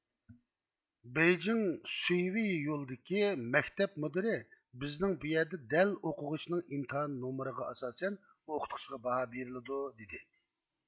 بېيجىڭ سۇيۋېي يولدىكى مەكتەپ مۇدىرى بىزنىڭ بۇ يەردە دەل ئوقۇغۇچىنىڭ ئىمتىھان نومۇرىغا ئاساسەن ئوقۇتقۇچىغا باھا بېرىلىدۇ دېدى